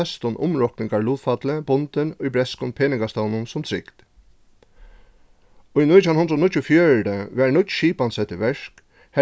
føstum umrokningarlutfalli bundin í bretskum peningastovnum sum trygd í nítjan hundrað og níggjuogfjøruti varð nýggj skipan sett í verk